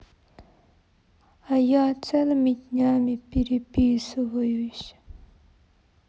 а я целыми днями переписываюсь